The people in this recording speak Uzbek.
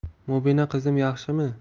mubina qizim yaxshimi